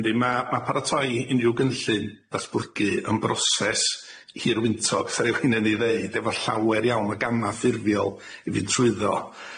Ia yndi ma' ma' paratoi unryw gynllun datblygu yn broses hirwyntog tha o'dd rei ohona ni'n ddeud efo llawer iawn o gama ffurfiol i fynd trwyddo.